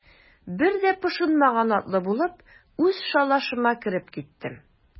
Бер дә пошынмаган атлы булып, үз шалашыма кереп киттем.